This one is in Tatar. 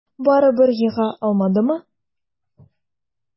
Барыбер ега алмадымы?